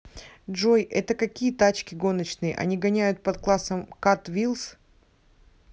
джой это какие тачки гоночные они гоняют под классом cut wheels